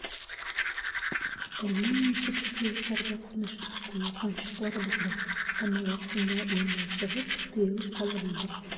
Әллә нинди четрекле эшләргә катнашып китә язган чаклары булды, әмма вакытында уеннан чыгып, тыелып кала белде.